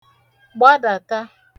gbadàtà